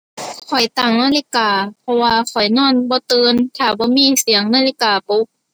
ข้อยตั้งนาฬิกา เพราะว่าข้อยนอนบ่ตื่นถ้าบ่มีเสียงนาฬิกาปลุก